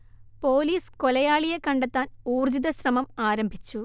police കൊലയാളിയെ കണ്ടെത്താൻ ഊർജ്ജിത ശ്രമം ആരംഭിച്ചു